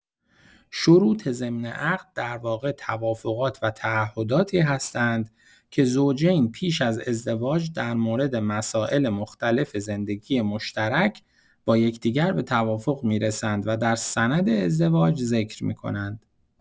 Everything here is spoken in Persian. شروط ضمن عقد در واقع توافقات و تعهداتی هستند که زوجین پیش از ازدواج در مورد مسائل مختلف زندگی مشترک، با یکدیگر به توافق می‌رسند و در سند ازدواج ذکر می‌کنند.